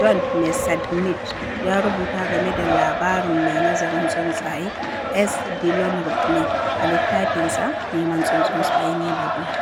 Don Messerschmidt ya rubuta game da labarin mai nazarin tsuntsaye S. Dillon Ripley a littafinsa Neman Tsuntsun Spiny Babbler.